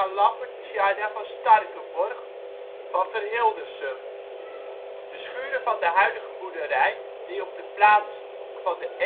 Lambert Tjarda van Starkenborgh van Verhildersum. De schuren van de huidige boerderij die op de plaats van de